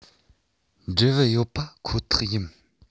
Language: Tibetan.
འབྲས བུ ཡོད པ ཁོ ཐག ཡིན